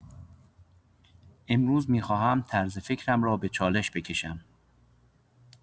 امروز می‌خواهم طرز فکرم را به چالش بکشم.